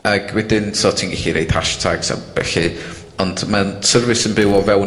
Ag wedyn so ti'n gellu roid hashtags a bellu, ond ma'n service yn byw o fewn